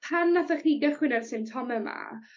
pan nathoch chi gychwyn a'r symptome 'ma